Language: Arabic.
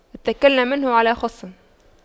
اتَّكَلْنا منه على خُصٍّ